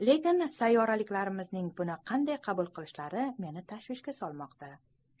lekin sayyoradoshlarimizning buni qanday qabul qilishlari meni tashvishga solmoqda